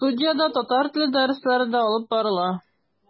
Студиядә татар теле дәресләре дә алып барыла.